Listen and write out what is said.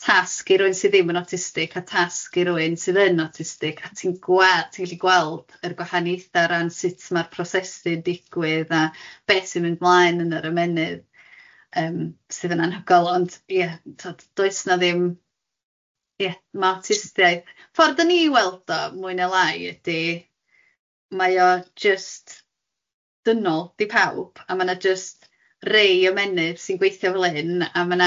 tasg i rwun sydd ddim yn awtistig a tasg i rwun sydd yn awtistig a ti'n gwa- ti'n gallu gweld yr gwahaniaethe o ran sut ma'r prosesu'n digwydd a beth sy'n mynd mlaen yn yr ymennydd yym sydd yn anhygoel ond ie tibod does na ddim, ie ma awtistiaeth, ffordd dan ni i weld o mwy neu lai ydi mae o jyst dynol i pawb a ma' na jyst rei ymennydd sy'n gweithio fel hyn a ma na